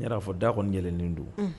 N y'a fɔ da kɔni yɛlɛlen don